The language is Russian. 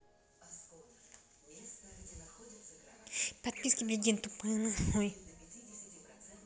подписки блядина тупая нахуй